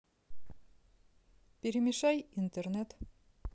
перемешай интернет